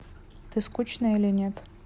ты скучная или нет